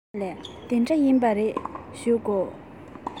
ཨ ལས དེ འདྲ ཡིན པ རེད བཞུགས དགོ